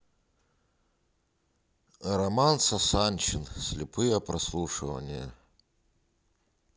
роман сасанчин слепые прослушивания